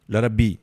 Larabi